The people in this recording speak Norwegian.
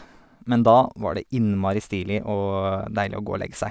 Men da var det innmari stilig og deilig å gå og legge seg.